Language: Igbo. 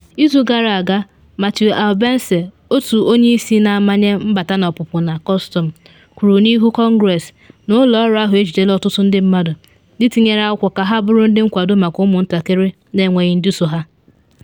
Izu gara aga, Matthew Albence, otu onye isi na Mmanye Mbata na Ọpụpụ na Kọstọms, kwuru n’ihu Kọngress na ụlọ ọrụ ahụ ejidela ọtụtụ ndị mmadụ ndị tinyere akwụkwọ ka ha bụrụ ndị nkwado maka ụmụ ntakịrị na enweghị ndị so ha.